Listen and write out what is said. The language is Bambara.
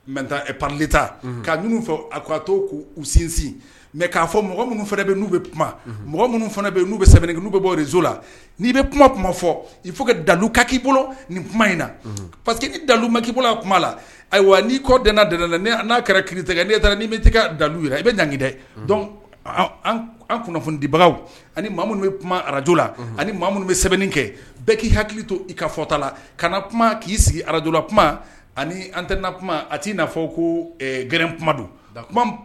Mɛ fɛ sinsin mɛ k'a fɔ mɔgɔ minnu kuma mɔgɔ sɛbɛn bɛ bɔ ni bɛ kuma kuma fɔ i fo ka dalu bolo ni kuma in na pa que i dalu ma k' bolo a kuma la ayiwa n'i kɔ dna d la n'a kɛra ki tigɛ n'i taara ni bɛ taa dalu jira i bɛ jan dɛ dɔn an kunnafonidibagaw ani ma minnu bɛ kuma arajo la ani minnu bɛ sɛbɛn kɛ bɛɛ k'i hakili to i ka fɔta la kana kuma k'i sigi arajola kuma ani an tɛ kuma a t'ifɔ ko gɛrɛ kuma don